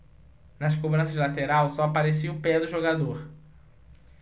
nas cobranças de lateral só aparecia o pé do jogador